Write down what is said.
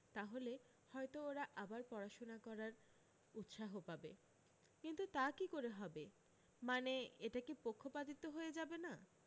তাহলে হয়ত ওরা আবার পড়াশুনা করার উৎসাহ পাবে কিন্তু তা কী করে হবে মানে এটা কী পক্ষপাতিত্ব হয়ে যাবে না